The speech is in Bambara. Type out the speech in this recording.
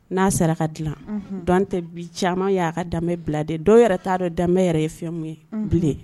Na sera ka dilan nɔn tɛ bi caman ye aa ka danbe bila dɛ. Wɔw yɛrɛ ta dɔn danbe yɛrɛ ye fɛn mun ye bilen .